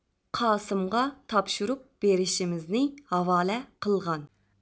قاسىمغا تاپشۇرۇپ بېرىشىمىزنى ھاۋالە قىلغان